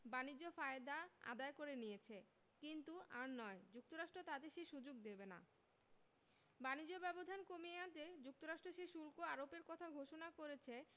বাণিজ্য ফায়দা আদায় করে নিয়েছে কিন্তু আর নয় যুক্তরাষ্ট্র তাদের সে সুযোগ দেবে না বাণিজ্য ব্যবধান কমিয়ে আনতে যুক্তরাষ্ট্র সে শুল্ক আরোপের কথা ঘোষণা করেছে